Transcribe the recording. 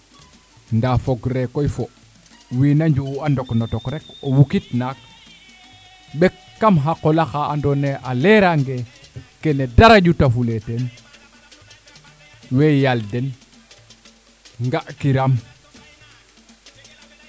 nda fogre koy fo wiina nju'u a ndok na tok rek wukit naak ɓekak kam xa qola xa ando naye a lera nge kene dara ƴuta fule teen we yaal den nga kiram